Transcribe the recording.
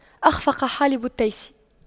أَخْفَقَ حالب التيس